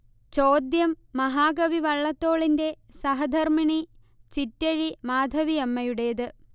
ചോദ്യം മഹാകവി വള്ളത്തോളിന്റെ സഹധർമ്മിണി ചിറ്റഴി മാധവിയമ്മയുടേത്